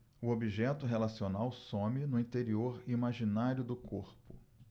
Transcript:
o objeto relacional some no interior imaginário do corpo